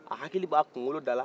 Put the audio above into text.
a hakili b'a kunkoloda la